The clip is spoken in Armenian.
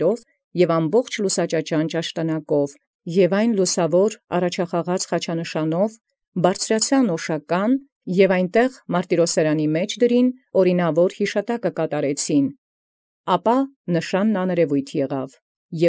Բուրելովք և ամենայն լուսաճաճանչ գնդիւն, և այնու խաչանշան լուսաւոր յառաջախաղաց նշանաւն, յԱւշականն ելանէին, և անդ ի մարտիրոսարանն մատուցեալ, զաւրինաւոր յիշատակն կատարեալ, ապա նշանն աներևոյթ լինէր, և։